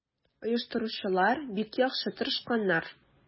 Оештыручылар бик яхшы тырышканнар.